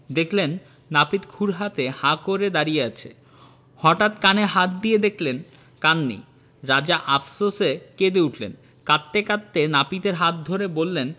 দেখলেন নাপিত ক্ষুর হাতে হাঁ করে দাড়িয়ে আছে হঠাৎ কানে হাত দিয়ে দেখলেন কান নেই রাজা আপসোসে কেঁদে উঠলেন কাঁদতে কাঁদতে নাপিতের হাতে ধরে বললেন